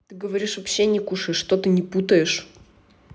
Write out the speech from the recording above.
ты говоришь вообще не кушаешь что ты не путаешь